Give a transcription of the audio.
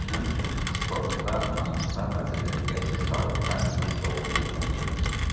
Безнең өчен спортта намуска, гаделлеккә, чисталыкка нигез салу бик мөһим.